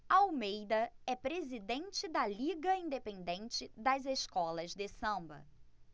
almeida é presidente da liga independente das escolas de samba